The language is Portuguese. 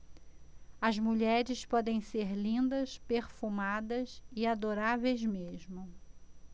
as mulheres podem ser lindas perfumadas e adoráveis mesmo